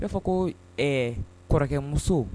I b'a fɔ ko ɛɛ kɔrɔkɛmuso